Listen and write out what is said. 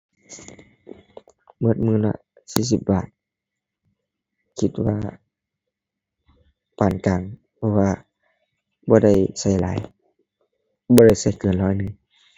เบิดมื้อละสี่สิบบาท คิดว่าปานกลาง เพราะว่าบ่ได้ใช้หลาย บ่ได้ใช้เกินร้อยหนึ่ง